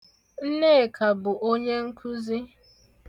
Nnekà bụ onye nkuzi.